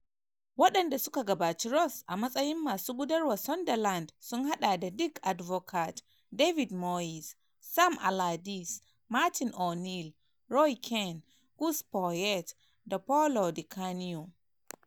Wadanda suka gabaci Ross a matsayin masu gudarwa Sunderland sun hada da Dick Advocaat, David Moyes, Sam Allardyce, Martin O'Neill, Roy Keane, Gus Poyet da Paolo Di Canio.